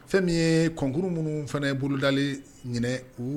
Fɛn min ye concours minnu fana bolodalen ɲinɛ u